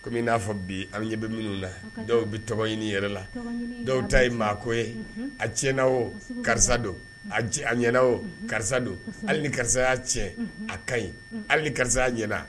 Kɔmi i n'a fɔ bi an ɲɛbe minnu la dɔw bɛ tɔgɔ ɲini yɛrɛ la, tɔgɔ ɲini, dɔw ta ye maako ye, unhun, a tiɲɛna o karisa don, unhun, a ɲɛna o karisa don, kosɛbɛ, hali ni karisaya tiɲɛ a ka ɲi ali ni karisaya ɲɛna.